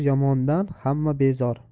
yomondan hamma bezor